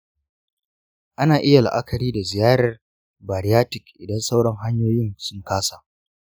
ana iya la'akari da ziyarar bariatric idan sauran hanyoyin sun kasa.